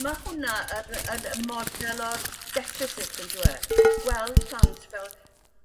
Ma' hwnna yr yy yn model o'r deffisit on'd yw e? Gweld plant fel